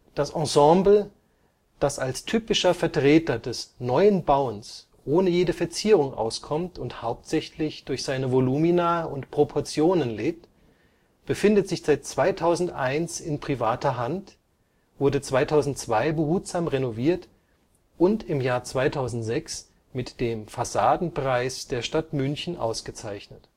Das Ensemble, das als typischer Vertreter des Neuen Bauens ohne jede Verzierung auskommt und hauptsächlich durch seine Volumina und Proportionen lebt, befindet sich seit 2001 in privater Hand, wurde 2002 behutsam renoviert und 2006 mit dem Fassadenpreis der Stadt München ausgezeichnet